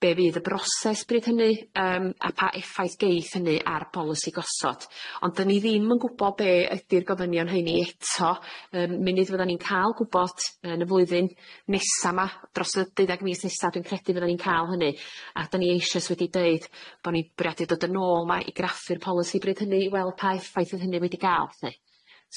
be' fydd y broses bryd hynny yym a pa effaith geith hynny ar bolisi gosod ond 'dyn ni ddim yn gwbo be' ydi'r gofynion heini eto yym munud fyddan ni'n ca'l gwbod yn y flwyddyn nesa 'ma dros y deuddag mis nesa dwi'n credu fyddan ni'n ca'l hynny a 'dyn ni eishoes wedi deud bo ni'n bwriadu dod yn ôl 'ma i graffu'r polisi bryd hynny i weld pa effaith fydd hynny wedi ga'l lly.